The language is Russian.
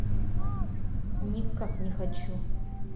никак не хочу